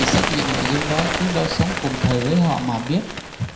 xác nhận nội dung đó chứ đâu sống cùng thời với họ mà biết